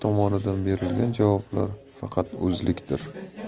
tomonidan berilgan javoblar faqat o'zlikdir